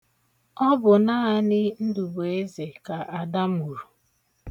Ọ bụ naanị Ndụbụeze ka Ada mụrụ.